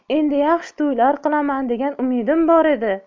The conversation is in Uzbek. endi yaxshi to'ylar qilaman degan umidim bor edi